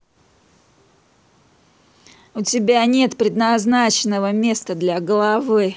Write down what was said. у тебя нет предназначенного места для головы